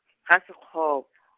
GaSekgopo.